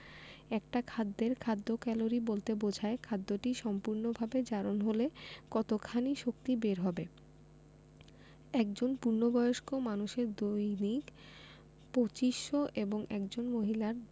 একটা খাদ্যের খাদ্য ক্যালোরি বলতে বোঝায় খাদ্যটি সম্পূর্ণভাবে জারণ হলে কতখানি শক্তি বের হবে একজন পূর্ণবয়স্ক মানুষের দৈনিক ২৫০০ এবং একজন মহিলার